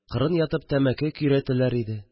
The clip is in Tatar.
Кырын ятып тәмәке көйрәтәләр иде